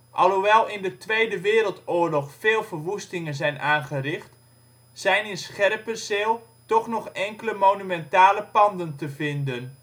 Alhoewel in WO II veel verwoestingen zijn aangericht, zijn in Scherpenzeel toch nog enkele monumentale panden te vinden